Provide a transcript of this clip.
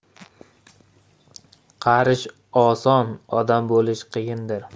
qarish oson odam bo'lish qiyindir